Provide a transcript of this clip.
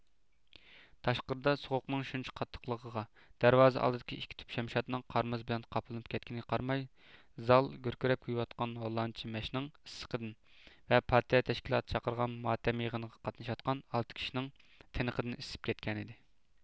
تاشقىرىدا سوغۇقنىڭ شۇنچە قاتتىقلىقىغا دەرۋازا ئالدىدىكى ئىككى تۈپ شەمشادنىڭ قار مۇز بىلەن قاپلىنىپ كەتكىنىگە قارىماي زال گۈركىرەپ كۆيۈۋاتقان ھوللاندچە مەشنىڭ ئىسسىقىدىن ۋە پارتىيە تەشكىلاتى چاقىرغان ماتەم يىغىنىغا قاتنىشىۋاتقان ئالتە كىشىنىڭ تىنىقىدىن ئىسسىپ كەتكەنىدى